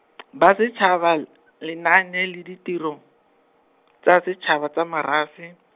Bosetšhaba, Lenaane la Ditiro, tsa Setšhaba tsa Morafe.